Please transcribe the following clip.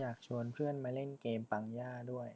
อยากชวนเพื่อนมาเล่นเกมปังย่าด้วย